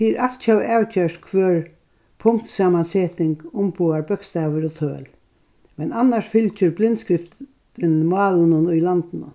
tað er altjóða avgjørt hvør punktsamanseting umboðar bókstavir og tøl men annars fylgir blindskriftin málinum í landinum